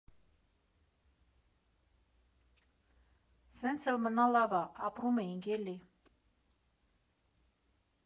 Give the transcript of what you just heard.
Սենց էլ մնա լավ ա, ապրում ենք էլի…